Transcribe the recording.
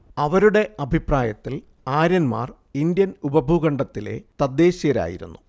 അവരുടെ അഭിപ്രായത്തിൽ ആര്യന്മാർ ഇന്ത്യൻ ഉപഭൂഖണ്ഡത്തിലെ തദ്ദേശീയരായിരുന്നു